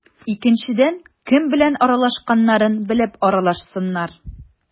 Икенчедән, кем белән аралашканнарын белеп аралашсыннар.